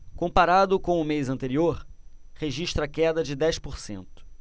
comparado com o mês anterior registra queda de dez por cento